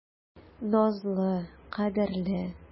Назлы, кадерле.